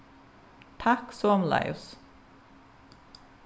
takk somuleiðis